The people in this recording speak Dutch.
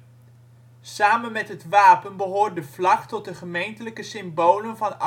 Samen met het wapen behoort de vlag tot de gemeentelijke symbolen van